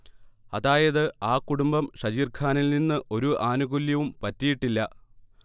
അതായത് ആ കുടുംബം ഷജീർഖാനിൽ നിന്ന് ഒരു ആനുകൂല്യവും പറ്റിയിട്ടില്ല